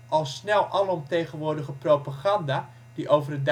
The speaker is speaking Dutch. al snel alom tegenwoordige propaganda die over